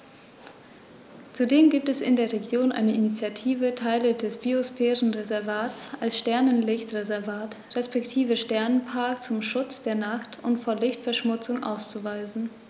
Zudem gibt es in der Region eine Initiative, Teile des Biosphärenreservats als Sternenlicht-Reservat respektive Sternenpark zum Schutz der Nacht und vor Lichtverschmutzung auszuweisen.